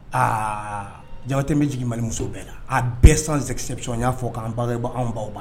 Aa Jabate n be jigin Mali musow bɛɛ la a bɛɛ sans exception ɲ'a fɔ k'an baŋeba anw baw b'a